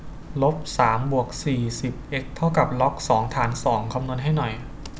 ลบสามบวกสี่สิบเอ็กซ์เท่ากับล็อกสองฐานสองคำนวณให้หน่อย